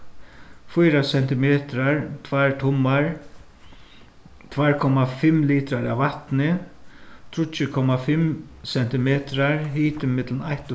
fýra sentimetrar tveir tummar tveir komma fimm litrar av vatni tríggir komma fimm sentimetrar hitin millum eitt og